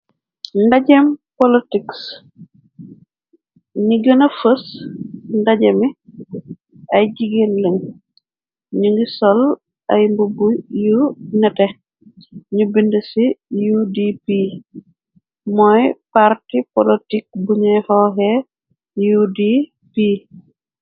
ndajam polotiks ni gëna fës ndajami ay jigéen lañ ñu ngi sol ay mbubu yu nete ñu bind ci udp mooy parti polotik buñuy xooxee ud p